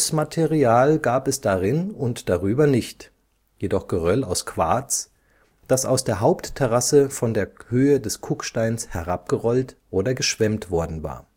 Lößmaterial gab es darin und darüber nicht, jedoch Geröll aus Quarz, das aus der Hauptterrasse von der Höhe des Kucksteins herabgerollt oder geschwemmt worden war